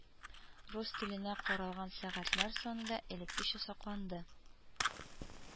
Рус теленә каралган сәгатьләр саны да элеккечә сакланды